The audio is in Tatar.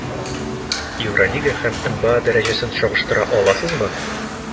Евролига һәм НБА дәрәҗәсен чагыштыра аласызмы?